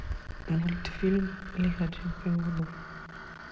мультфильм лига чемпионов